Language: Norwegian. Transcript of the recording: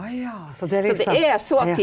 å ja så det er liksom ja.